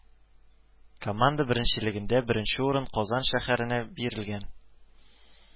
Команда беренчелегендә беренче урын Казан шәһәренә бирелгән